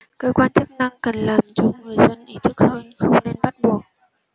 cơ quan chức năng cần làm cho người dân ý thức hơn không nên bắt buộc